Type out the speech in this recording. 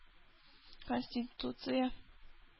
Конституция